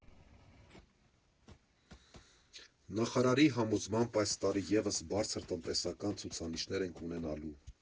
Նախարարի համոզմամբ՝ այս տարի ևս բարձր տնտեսական ցուցանիշներ ենք ունենալու։